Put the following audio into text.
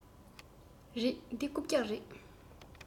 རེད འདི རྐུབ བཀྱག རེད